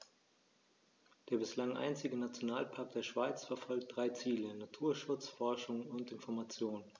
Der bislang einzige Nationalpark der Schweiz verfolgt drei Ziele: Naturschutz, Forschung und Information.